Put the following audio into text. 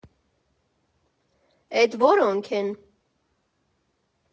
Էդ որո՞նք են։